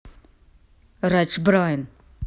rich brian